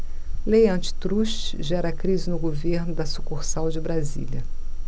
lei antitruste gera crise no governo da sucursal de brasília